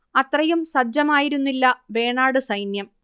അത്രയും സജ്ജമായിരുന്നില്ല വേണാട് സൈന്യം